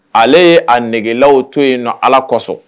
Ale ye a nɛgɛgelaw to yen nɔ ala kosɔn